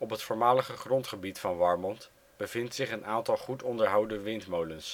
het voormalige grondgebied van Warmond bevindt zich een aantal goed onderhouden windmolens